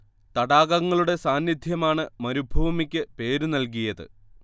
തടാകങ്ങളുടെ സാന്നിദ്ധ്യമാണ് മരുഭൂമിക്ക് പേരു നൽകിയത്